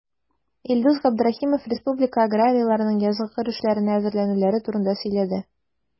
Илдус Габдрахманов республика аграрийларының язгы кыр эшләренә әзерләнүләре турында сөйләде.